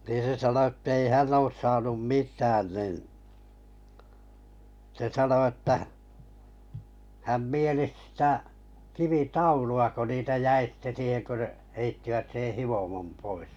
niin se sanoi että ei hän ole saanut mitään niin se sanoi että hän mielisi sitä kivitaulua kun niitä jäi sitten siihen kun heittivät sen hiomon pois